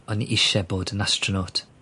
o'n i isie bod yn astronaut.